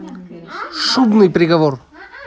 шубный приговор